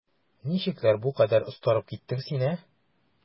Ничекләр бу кадәр остарып киттең син, ә?